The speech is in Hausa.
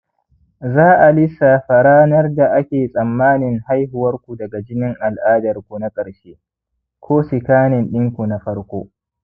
za'a lissafa ranar da ake tsammanin haihuwarku daga jinin al'adarku na ƙarshe ko sikanin ɗinku na farko